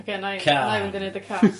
Ocê 'nai... Cân. ...'nai mynd i neud y cas.